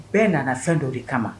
Bɛɛ nana fɛn dɔ de kama